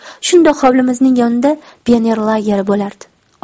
shundoq hovlimizning yonida pioner lageri bo'lardi